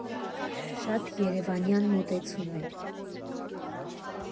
Շատ երևանյան մոտեցում էր։